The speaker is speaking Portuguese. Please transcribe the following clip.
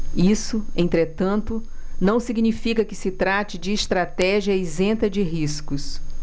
isso entretanto não significa que se trate de estratégia isenta de riscos